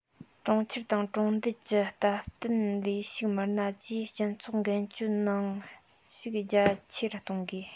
གྲོང ཁྱེར དང གྲོང རྡལ གྱི སྟབས བསྟུན ལས ཞུགས མི སྣ བཅས སྤྱི ཚོགས འགན བཅོལ ནང ཞུགས རྒྱ ཆེ རུ གཏོང དགོས